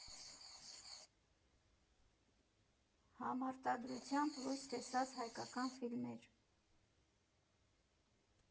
Համարտադրությամբ լույս տեսած հայկական ֆիլմեր։